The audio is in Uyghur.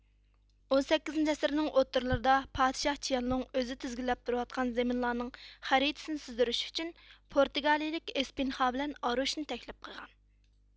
ئون سەككىزىنچى ئەسىرنىڭ ئوتتۇرىلىرىدا پادىشاھ چيەنلۇڭ ئۆزى تىزگىنلەپ تۇرۇۋاتقان زېمىنلارنىڭ خەرىتىسىنى سىزدۇرۇش ئۈچۈن پورتىگالىيىلىك ئېسپىنخا بىلەن ئاروچنى تەكلىپ قىلغان